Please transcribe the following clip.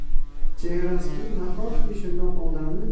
chehrasida nahotki shundoq odamni